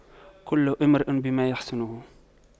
كل امرئ بما يحسنه